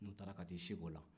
n'o tara ka t'i o la